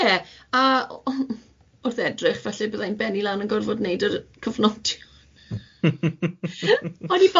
Ie, a o- o- wrth edrych falle byddai'n benni lan yn gorfod wneud yr yy cyfnodion.